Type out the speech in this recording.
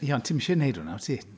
Ie, ond ti'm isie wneud hwnna, wyt ti.